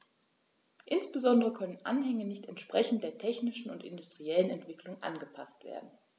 Insbesondere können Anhänge nicht entsprechend der technischen und industriellen Entwicklung angepaßt werden.